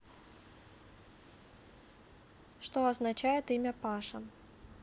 что означает имя паша